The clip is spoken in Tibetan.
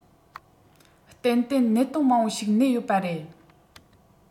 ཏན ཏན གནད དོན མང པོ ཞིག གནས ཡོད པ རེད